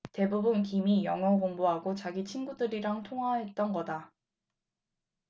대부분이 김 이 영어공부하고 자기 친구들이랑 통화했던 거다